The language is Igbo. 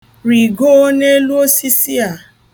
Rịgoo n'elu osisi a.